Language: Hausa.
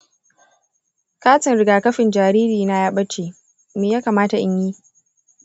katin rigakafin jariri na ya ɓace; me ya kamata in yi?